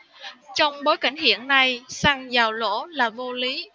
trong bối cảnh hiện nay xăng dầu lỗ là vô lý